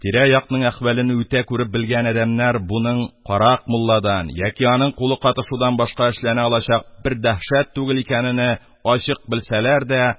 Тирә-якның әхвалене үтә күреп белгән адәмнәр буның карак мулладан яки аның кулы катышудан башка эшләнә алачак бер дәһшәт түгел ачык белсәләр дә,